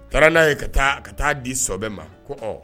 Taara n'a ye ka taa a ka taa di sobɛ ma ko ɔ